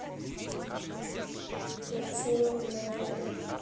включи рок музыку